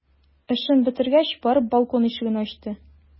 Эшен бетергәч, барып балкон ишеген ачты.